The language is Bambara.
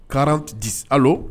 Ka di